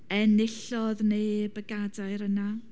Enillodd neb y gadair yna.